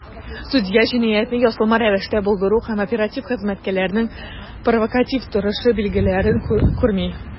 Судья "җинаятьне ясалма рәвештә булдыру" һәм "оператив хезмәткәрләрнең провокатив торышы" билгеләрен күрми.